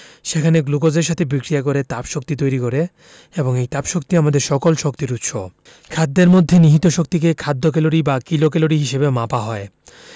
সেখানে গ্লুকোজের সাথে বিক্রিয়া করে তাপশক্তি তৈরি করে এবং এই তাপশক্তি আমাদের সকল শক্তির উৎস খাদ্যের মধ্যে নিহিত শক্তিকে খাদ্য ক্যালরি বা কিলোক্যালরি হিসেবে মাপা হয়